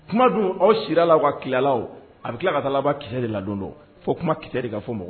Kuma don aw sira la ka kilaw a bɛ tila ka taa laban kisɛ de ladon don fo kuma kisɛri ka fɔ mɔgɔ